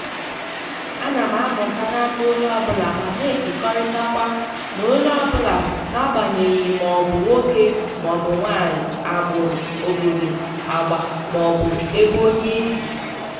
Ana m amụta n'aka onye ọbụla ma na-ekekọrịtakwa n'onye ọbụla n'agbanyeghị ma ọ bụ nwoke ma ọ bụ nwaanyi, agbụrụ, obodo, agba maọbụ ebeonyesi.